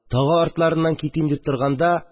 Тагы артларыннан китим дип торганда